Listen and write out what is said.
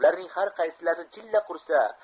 ularning har qaysilari jilla qursa